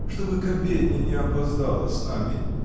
Чтобы к обедне не опоздала с нами!